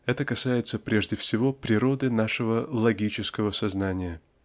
Это касается прежде всего природы нашего логического сознания.